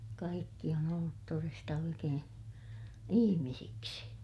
kaikki on ollut todesta oikein ihmisiksi